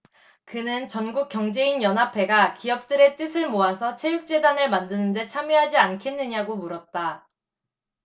그는 전국경제인연합회가 기업들의 뜻을 모아서 체육재단을 만드는 데 참여하지 않겠느냐고 물었다